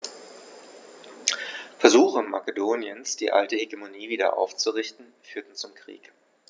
Versuche Makedoniens, die alte Hegemonie wieder aufzurichten, führten zum Krieg.